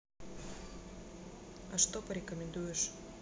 а что порекомендуешь